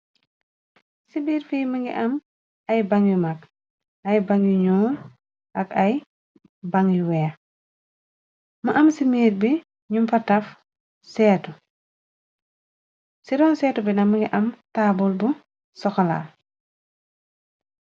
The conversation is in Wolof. Ci biir fi mingi am ay banyu mag ay bangi ñyuur ak ay bangi weex më am ci miir bi ñum fataf seetu ci ron seetu bina mangi am taabul bu sokola.